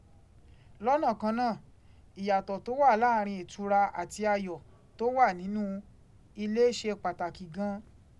Lọ́nà kan náà, ìyàtọ̀ tó wà láàárín ìtura àti ayọ̀ tó wà nínú ilé ṣe pàtàkì gan an.